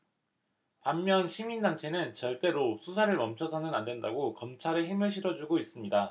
반면 시민단체는 절대로 수사를 멈춰서는 안 된다고 검찰에 힘을 실어주고 있습니다